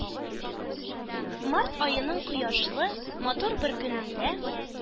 Март аеның кояшлы, матур бер көнендә